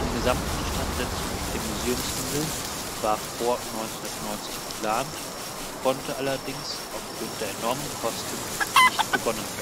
Gesamtinstandsetzung der Museumsinsel war vor 1990 geplant, konnte allerdings auf Grund der enormen Kosten nicht begonnen